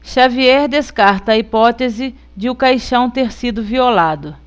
xavier descarta a hipótese de o caixão ter sido violado